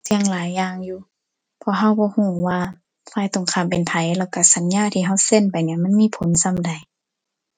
เสี่ยงหลายอย่างอยู่ เพราะเราบ่เราว่าฝ่ายตรงข้ามเป็นไผ แล้วเราสัญญาที่เราเซ็นไปเนี่ยมันมีผลส่ำใด